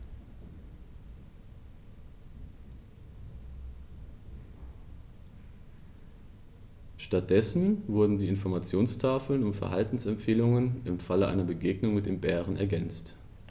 Stattdessen wurden die Informationstafeln um Verhaltensempfehlungen im Falle einer Begegnung mit dem Bären ergänzt.